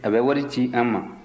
a bɛ wari ci an ma